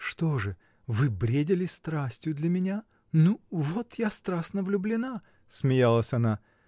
— Что же: вы бредили страстью для меня — ну вот я страстно влюблена, — смеялась она.